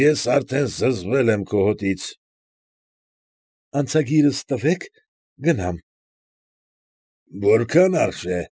Ես արդեն զզվել եմ քո հոտից։ ֊ Անցագիրս տվեք, գնամ։ ֊ Որքան արժե։ ֊